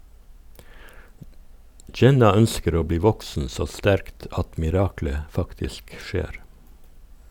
Jenna ønsker å bli voksen så sterkt at miraklet faktisk skjer.